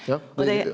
ja .